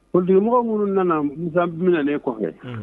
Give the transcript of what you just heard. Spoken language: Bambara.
Politique mɔgɔ minnu nana Musa minɛnen kɔfɛ, unhun